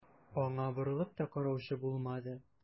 Аңа борылып та караучы булмады.